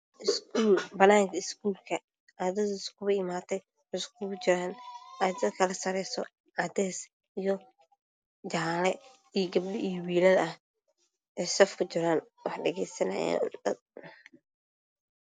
iskuulka ardaydu isugu imaaday waxay isugu jiraan ardaykala sarayso iyo gabdhiyo wiilal oo safku jiraan wax dhagaysanayaan